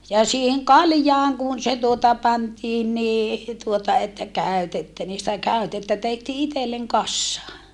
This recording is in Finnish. ja siihen kaljaan kun se tuota pantiin niin tuota että käytettä niin sitä käytettä tehtiin itselle kasaan